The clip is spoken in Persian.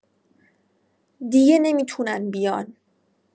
دیگه نمی‌تونن بیان.